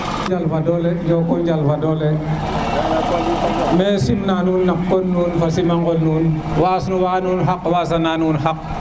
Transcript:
njokonjal fa dole njokonjal fa dole maxey sim na nuun no gon nuun fo na sima ngol nuun was nuwa nuun xaq wasa na nuun xaq